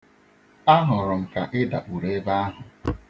Ahụrụ m ka ị dakpuru ebe ahu.